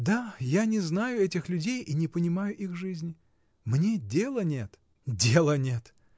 Да, я не знаю этих людей и не понимаю их жизни. Мне дела нет. — Дела нет!